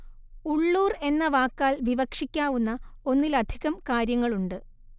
ഉള്ളൂർ എന്ന വാക്കാൽ വിവക്ഷിക്കാവുന്ന ഒന്നിലധികം കാര്യങ്ങളുണ്ട്